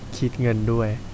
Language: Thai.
คิดเงินด้วย